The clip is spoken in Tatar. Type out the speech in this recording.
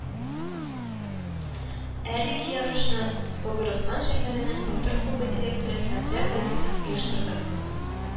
Әлеге ярышны Богырыслан шәһәренең “Батыр” клубы директоры Хәмзә Гәзизов оештырды